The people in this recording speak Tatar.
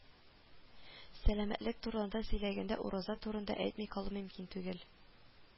Сәламәтлек турында сөйләгәндә ураза турында әйтми калу мөмкин түгел